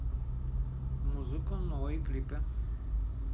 музыку новые клипы